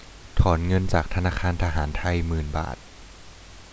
ถอนเงินจากธนาคารทหารไทยหมื่นบาท